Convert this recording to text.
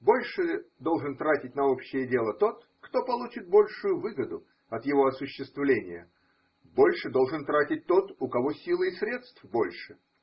Больше должен тратить на общее дело тот, кто получит большую выгоду от его осуществления: больше должен тратить тот, у кого силы и средств больше.